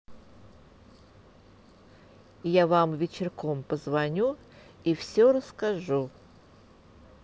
я вам вечерком позвоню и все расскажу